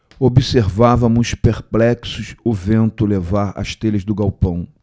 observávamos perplexos o vento levar as telhas do galpão